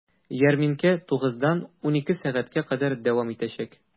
Ярминкә 9 дан 12 сәгатькә кадәр дәвам итәчәк.